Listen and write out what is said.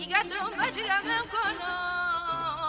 Tiga diɲɛ kɔnɔ